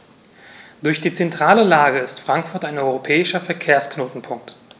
Durch die zentrale Lage ist Frankfurt ein europäischer Verkehrsknotenpunkt.